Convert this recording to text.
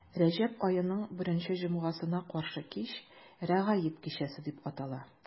Рәҗәб аеның беренче җомгасына каршы кич Рәгаиб кичәсе дип атала.